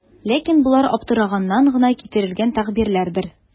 Ләкин болар аптыраганнан гына китерелгән тәгъбирләрдер.